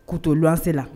Kutu wase la